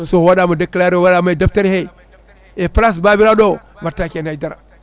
sowaɗa déclaré waɗama e deftere he e place babiraɗo o wattake hen haydara